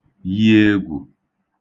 yi egwù